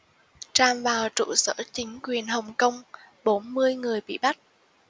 tràn vào trụ sở chính quyền hong kong bốn mươi người bị bắt